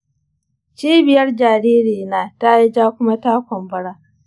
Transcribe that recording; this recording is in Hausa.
cibiyar jaririna ta yi ja kuma ta kumbura.